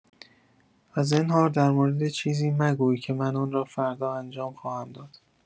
و زنهار در مورد چیزی مگوی که من آن را فردا انجام خواهم داد.